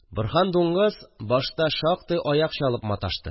Борһан дуңгыз башта шактый аяк чалып маташты